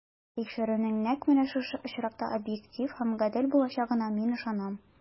Ә тикшерүнең нәкъ менә шушы очракта объектив һәм гадел булачагына мин ышанам.